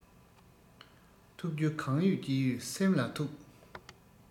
ཐུག རྒྱུ གང ཡོད ཅི ཡོད སེམས ལ ཐུག